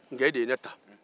nka e de ye ne ta